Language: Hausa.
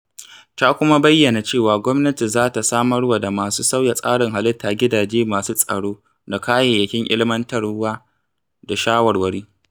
Ta kuma bayyana cewa gwamnati za ta samarwa da masu sauya tsarin halitta gidaje masu tsaro da kayayyakin ilmantarwa da shawarwari